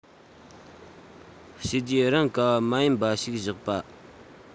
བྱས རྗེས རང ག བ མ ཡིན པ ཞིག བཞག པ